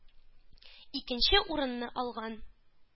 Икенче урынны алган.